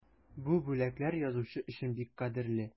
Бу бүләкләр язучы өчен бик кадерле.